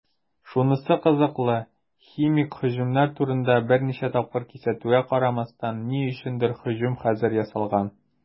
Шунысы кызыклы, химик һөҗүмнәр турында берничә тапкыр кисәтүгә карамастан, ни өчендер һөҗүм хәзер ясалган.